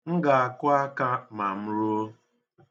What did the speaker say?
M ga-akụ aka ma m ruo.